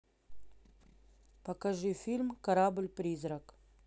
покажи фильм корабль призрак